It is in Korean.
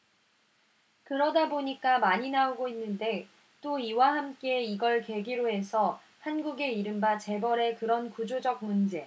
그러다 보니까 많이 나오고 있는데 또 이와 함께 이걸 계기로 해서 한국의 이른바 재벌의 그런 구조적 문제